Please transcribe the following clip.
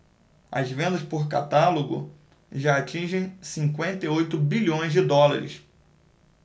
as vendas por catálogo já atingem cinquenta e oito bilhões de dólares